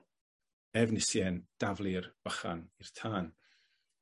Efnisien daflu'r bychan i'r tân.